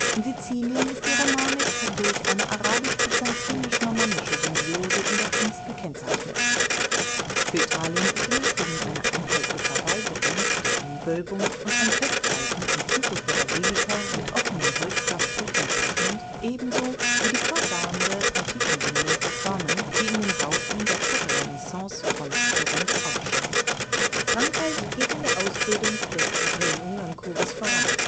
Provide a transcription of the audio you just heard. In Sizilien ist die Romanik durch eine arabisch-byzantinisch-normannische Symbiose in der Kunst gekennzeichnet. Für Italien ist im übrigen eine anhaltende Verweigerung der Einwölbung und ein Festhalten am Typus der Basilika mit offenem Holzdachstuhl kennzeichnend, ebenso wie die fortdauernde Antikenbindung der Formen, die in den Bauten der " Protorenaissance " von Florenz (San Miniato al Monte, Baptisterium) aufscheint. Frankreich geht in der Ausbildung des Kapellenumgangschores voran